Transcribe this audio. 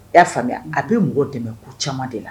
Ya famuya . A bi mɔgɔ dɛmɛ ko caman de la.